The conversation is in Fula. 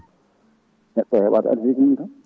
neɗɗo o heeɓat arsugue mum tan